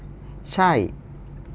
ใช่